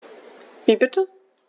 Wie bitte?